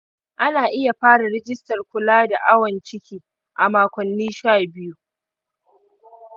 ana iya fara rijistar kula da awon ciki a makonni sha biyu